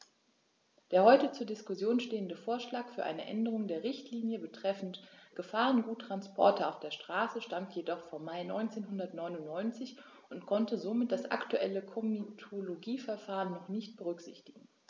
Der heute zur Diskussion stehende Vorschlag für eine Änderung der Richtlinie betreffend Gefahrguttransporte auf der Straße stammt jedoch vom Mai 1999 und konnte somit das aktuelle Komitologieverfahren noch nicht berücksichtigen.